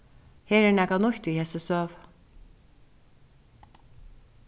her er nakað nýtt í hesi søgu